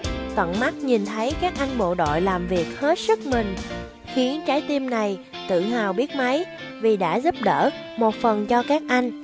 tận mắt nhìn thấy các anh bộ đội làm việc hết sức mình khiến trái tim này tự hào biết mấy vì đã giúp đỡ một phần cho các anh